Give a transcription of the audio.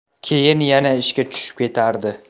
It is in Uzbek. keyin yana ishga tushib ketardi